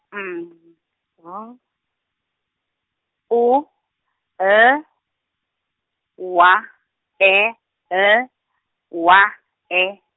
M, B, U, L, W, E, L, W, E.